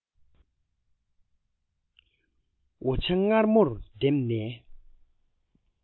འོ ཇ མངར མོར བསྡེབས ནས